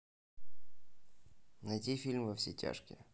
найти фильм во все тяжкие